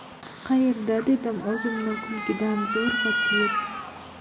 qayerda dedim o'zimni kulgidan zo'rg'a tiyib